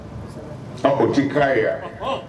An o ji kɛra ye wa